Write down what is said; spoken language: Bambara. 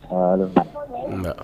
Waa akeyikum . Unba.